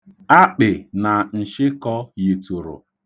Akpị na nshịkọ yitụrụ.